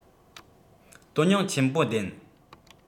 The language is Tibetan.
དོན སྙིང ཆེན པོ ལྡན